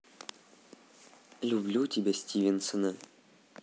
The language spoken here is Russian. люблю тебя стивенсона